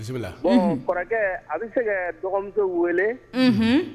A bɛ se dɔgɔmuso wele